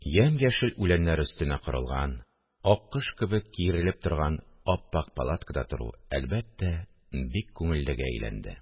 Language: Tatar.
Ямь-яшел үләннәр өстенә корылган, аккош кебек киерелеп торган ап-ак палаткада тору, әлбәттә, бик күңеллегә әйләнде